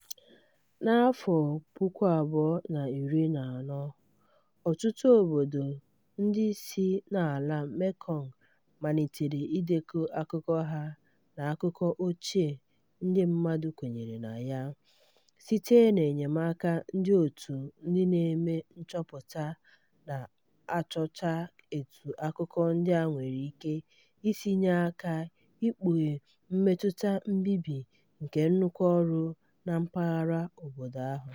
Na 2014, ọtụtụ obodo ndị si n'ala Mekong malitere idekọ akụkọ ha na akụkọ ochie ndị mmadụ kwenyere na ya site n'enyemaka nke òtù ndị na-eme nchọpụta na-achọcha etu akụkọ ndị a nwere ike isi nye aka ikpughe mmetụta mbibi nke nnukwu ọrụ na mpaghara ahụ.